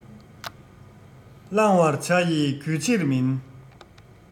བླང བར བྱ ཡི གུས ཕྱིར མིན